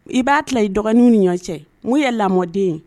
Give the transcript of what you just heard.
I b'a tila i dɔgɔninw ni ɲɔgɔn cɛ min ye lamɔden ye